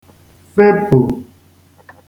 fepù